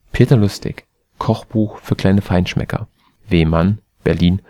Peter Lustig: Kochbuch für kleine Feinschmecker. W. Mann, Berlin